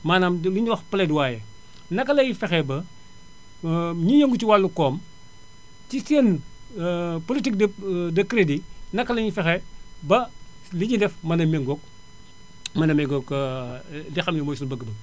maanaam li ény wax plaidoyer naka lay fexee ba ñiy yëngu ci wàllu koom ci seen politique de de crédit naka lañuy fexee ba li ñuy def mën a méngoo ak mën a méngoog li xam ne mooy suñu bëgg-bëgg